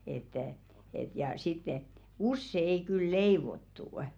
että että ja sitten että usein ei kyllä leivottu